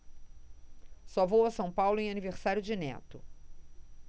só vou a são paulo em aniversário de neto